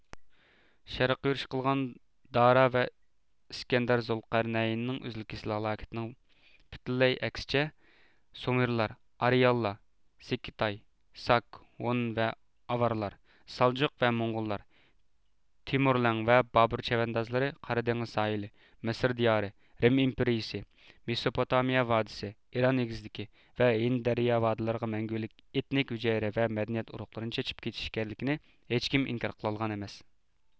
شەرققە يۈرۈش قىلغان دارا ۋە ئىسكەندەر زۇلقەر نەيىننىڭ ئۈزۈل كېسىل ھالاكىتىنىڭ پۈتۈنلەي ئەكسىچە سۇمېرلار ئارىئانلار سىكىتاي ساك ھون ۋە ئاۋارلار سالجۇق ۋە موڭغۇللار تېمۈرلەڭ ۋە بابۇر چەۋەندازلىرى قارا دېڭىز ساھىلى مىسىر دىيارى رىم ئىمپېرىيىسى مىسۇپۇتامىيە ۋادىسى ئىران ئېگىزلىكى ۋە ھىند دەريا ۋدىلىرىغا مەڭگۈلۈك ئېتنىك ھۈجەيرە ۋە مەدەنىيەت ئۇرۇقلىرى چېچىپ كېتىشكەنلىكىنى ھېچكىم ئىنكار قىلالىغان ئەمەس